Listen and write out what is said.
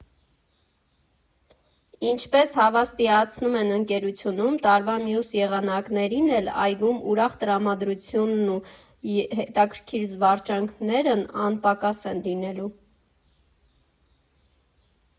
Ինչպես հավաստիացնում են ընկերությունում, տարվա մյուս եղանակներին էլ այգում ուրախ տրամադրությունն ու հետաքրքիր զվարճանքներն անպակաս են լինելու։